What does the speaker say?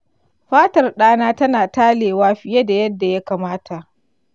fatar ɗana tana talewa fiye da yadda ya kamata.